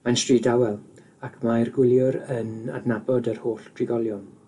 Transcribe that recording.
Mae'n stryd dawel ac mae'r gwyliwr yn adnabod yr holl drigolion.